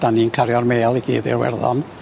'Da ni'n cario'r mêl i gyd i'r werddon.